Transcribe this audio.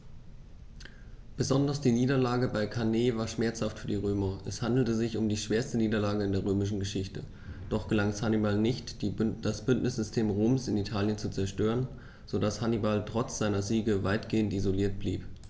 Besonders die Niederlage bei Cannae war schmerzhaft für die Römer: Es handelte sich um die schwerste Niederlage in der römischen Geschichte, doch gelang es Hannibal nicht, das Bündnissystem Roms in Italien zu zerstören, sodass Hannibal trotz seiner Siege weitgehend isoliert blieb.